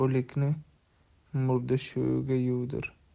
o'likni murdasho'ga yuvdir